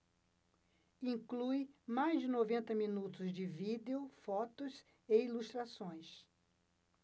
inclui mais de noventa minutos de vídeo fotos e ilustrações